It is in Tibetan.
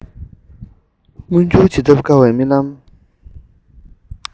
མངོན འགྱུར བྱེད ཐབས དཀའ བའི རྨི ལམ